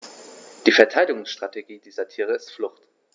Die Verteidigungsstrategie dieser Tiere ist Flucht.